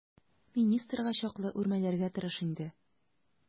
Министрга чаклы үрмәләргә тырыш инде.